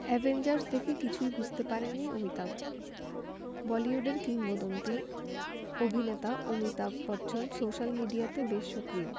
Avengers দেখে কিছুই বুঝতে পারেননি অমিতাভ বলিউডের কিংবদন্তী অভিনেতা অমিতাভ বচ্চন সোশ্যাল মিডিয়াতে বেশ সক্রিয়